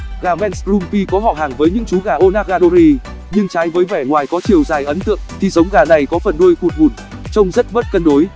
gà manx rumpy có họ hàng với những chú gà onagadori nhưng trái với vẻ ngoài có chiều dài ấn tượng thì giống gà này có phần đuôi cụt ngủn trông rất mất cân đối